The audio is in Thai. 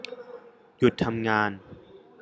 หยุดทำงาน